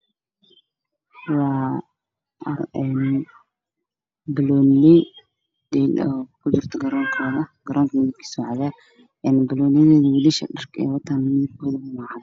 Waa wiilal cayaartooy oo kujirto garoonka midabkiisu waa cagaar, wiilasha dharka ay wataan waa cadaan.